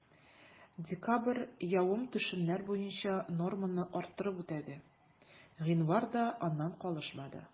Декабрь явым-төшемнәр буенча норманы арттырып үтәде, гыйнвар да аннан калышмады.